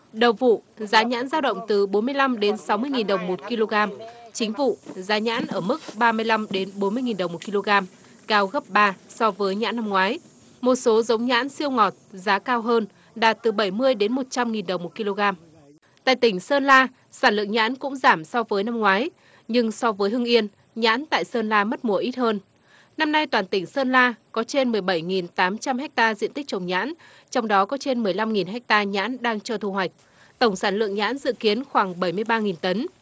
đầu vụ giá nhãn dao động từ bốn mươi lăm đến sáu mươi nghìn đồng một ki lô gam chính phủ giá nhãn ở mức ba mươi lăm đến bốn mươi nghìn đồng một ki lô gam cao gấp ba so với nhãn năm ngoái một số giống nhãn siêu ngọt giá cao hơn đạt từ bảy mươi đến một trăm nghìn đồng một ki lô gam tại tỉnh sơn la sản lượng nhãn cũng giảm so với năm ngoái nhưng so với hưng yên nhãn tại sơn la mất mùa ít hơn năm nay toàn tỉnh sơn la có trên mười bảy nghìn tám trăm héc ta diện tích trồng nhãn trong đó có trên mười lăm nghìn héc ta nhãn đang cho thu hoạch tổng sản lượng nhãn dự kiến khoảng bảy mươi ba nghìn tấn